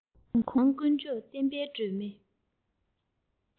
གུང ཐང དཀོན མཆོག བསྟན པའི སྒྲོན མེ